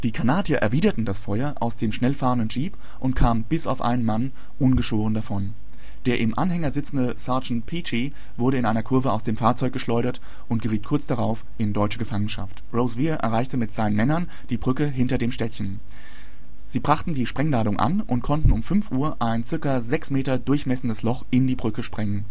Kanadier erwiderten das Feuer aus dem schnell fahrenden Jeep und kamen bis auf einen Mann ungeschoren davon. Der im Anhänger sitzende Sergeant Peachey wurde in einer Kurve aus dem Fahrzeug geschleudert und geriet kurz darauf in deutsche Gefangenschaft. Roseveare erreichte mit seinen Männern die Brücke hinter dem Städtchen. Sie brachten die Sprengladungen an und konnten um 5:00 Uhr ein ca. sechs Meter durchmessendes Loch in die Brücke sprengen